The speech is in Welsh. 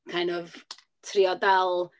kind of trio dal